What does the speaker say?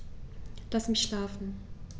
Lass mich schlafen